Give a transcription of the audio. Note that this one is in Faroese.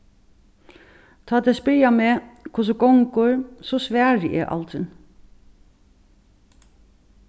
tá tey spyrja meg hvussu gongur so svari eg aldrin